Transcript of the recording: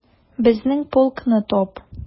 Безнең полкны тап...